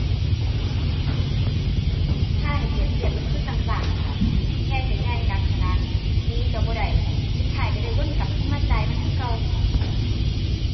ถ้าให้เปรียบเทียบก็คือจั่งก็นี่ล่ะ ใหญ่ก็ใหญ่หนักกะหนัก หนีก็บ่ได้สุดท้ายกะได้วนกลับคืนมาจ่ายมันคือเก่า